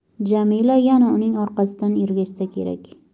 jamila yana uning orqasidan ergashsa kerak